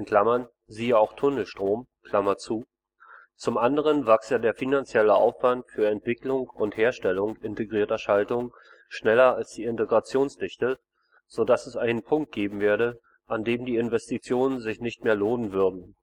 erreiche (siehe auch Tunnelstrom). Zum anderen wachse der finanzielle Aufwand für Entwicklung und Herstellung integrierter Schaltungen schneller als die Integrationsdichte, so dass es einen Punkt geben werde, an dem die Investitionen sich nicht mehr lohnen würden